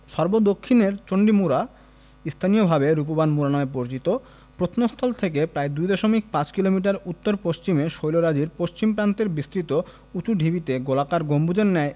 সর্বদক্ষিণের চণ্ডী মুড়া স্থানীয়ভাবে রূপবান মুড়া নামে পরিচিত প্রত্নস্থল থেকে প্রায় ২ দশমিক ৫ কিলোমিটার উত্তর পশ্চিমে শৈলরাজির পশ্চিম প্রান্তের বিস্তৃত উঁচু ঢিবিতে গোলাকার গম্বুজের ন্যায়